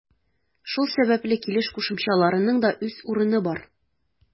Шул сәбәпле килеш кушымчаларының да үз урыны бар.